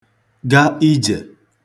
ga ijè